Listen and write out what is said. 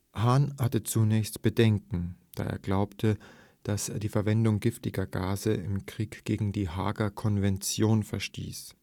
Hahn hatte zunächst Bedenken, da er glaubte, dass die Verwendung giftiger Gase im Krieg gegen die ' Haager Konvention ' verstieß